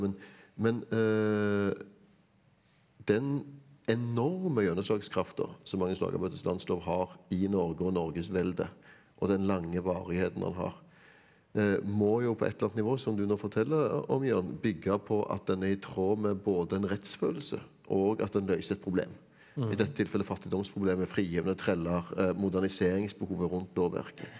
men men den enorme gjennomslagskraften som Magnus Lagabøtes landslov har i Norge og Norgesveldet og den lange varigheten han har må jo på et eller annet nivå, som du nå forteller om Jørn, bygge på at den er i tråd med både en rettsfølelse og at den løser et problem, i dette tilfellet fattigdomsproblemet, frigitte treller, moderniseringsbehovet rundt lovverket.